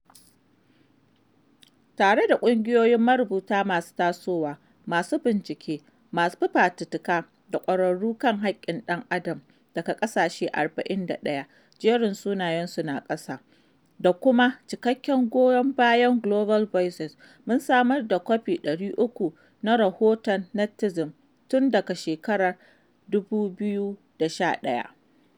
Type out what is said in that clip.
Tare da ƙungiyoyin marubuta masu tasowa, masu bincike, masu fafutuka da ƙwararru kan haƙƙin ɗan adam daga ƙasashe 41 (jerin sunayensu na ƙasa), da kuma cikakken goyon bayan Global Voices, mun samar da kwafi 300 na Rahoton Netizen tun daga shekarar 2011.